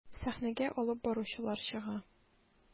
Сәхнәгә алып баручылар чыга.